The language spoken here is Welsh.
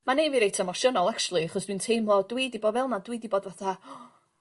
Ma' neu' fi reit emosiynol actually achos dwi'n teimlo dwi 'di bo' fel 'na dwi 'di bod fatha